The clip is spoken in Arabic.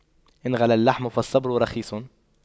إن غلا اللحم فالصبر رخيص